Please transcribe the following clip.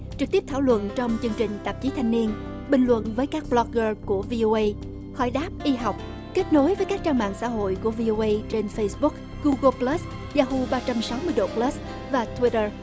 trực tiếp thảo luận trong chương trình tạp chí thanh niên bình luận với các bờ lóc gơ của vi ô ây hồi đáp y học kết nối với các trang mạng xã hội của vi ô ây trên phây búc gu gồ bờ lớt gia hu ba trăm sáu mươi độ bờ lớt và tuýt tơ